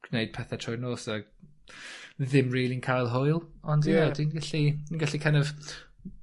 gwneud pethe trwy'r nos ag ddim rili'n cael hwyl. Ond ie... Ie. ...dwi'n gallu fi'n gallu kin' of